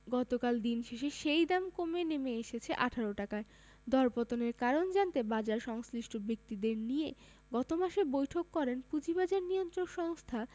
গতকাল দিন শেষে সেই দাম কমে নেমে এসেছে ১৮ টাকায় দরপতনের কারণ জানতে বাজারসংশ্লিষ্ট ব্যক্তিদের নিয়ে গত মাসে বৈঠক করেন পুঁজিবাজার নিয়ন্ত্রক সংস্থা